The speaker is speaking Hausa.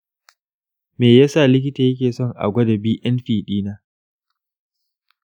me ya sa likita yake son a gwada bnp ɗina?